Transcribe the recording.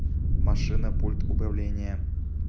машина пульт управления